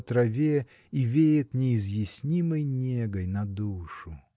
по траве и веет неизъяснимой негой на душу?